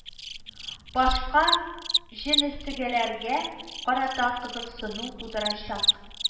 Башка җенестәгеләргә карата кызыксыну тудырачак